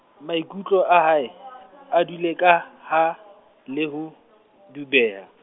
maikutlo a hae, a dule ka ha, le ho, dubeha.